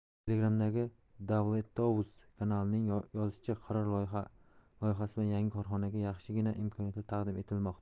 telegram'dagi davletovuz kanalining yozishicha qaror loyihasi bilan yangi korxonaga yaxshigina imkoniyatlar taqdim etilmoqda